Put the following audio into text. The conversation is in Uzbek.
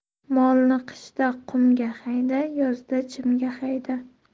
molni qishda qumga hayda yozda chimga hayda